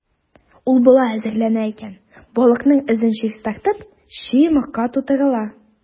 Ул болай әзерләнә икән: балыкның эчен чистартып, чи йомырка тутырыла.